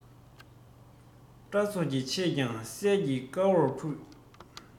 སྐྲ ཚོགས ཀྱི ཕྱེད ཀྱང སད ཀྱིས དཀར བོར བཀྲུས